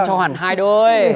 cho hẳn hai đôi